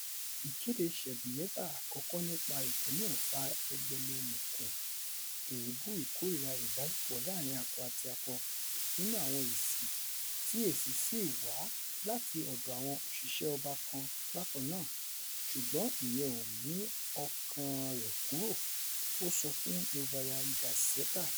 Ìkéde Shebuyeva àkọ́kọ́ nípa ètò náà fa ẹgbẹlẹmùkù èébú ìkórìíra-ìbálòpọ̀-láàárín-akọ́-àti-akọ nínú àwọn èsì, tí èsì sì wá láti ọ̀dọ̀ àwọn òṣìṣẹ́ ọba kan bákan náà, ṣùgbọ́n ìyẹn ò mú ọkàn-an rẹ̀ kúrò, ó sọ fún Novaya Gazeta.